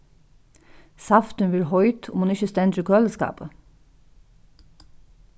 saftin verður heit um hon ikki stendur í køliskápi